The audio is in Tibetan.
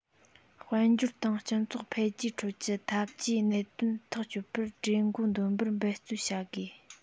དཔལ འབྱོར དང སྤྱི ཚོགས འཕེལ རྒྱས ཁྲོད ཀྱི འཐབ ཇུས གནད དོན ཐག གཅོད པར གྲོས འགོ འདོན པར འབད བརྩོན བྱ དགོས